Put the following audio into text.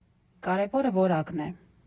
Կարևորը որակն է։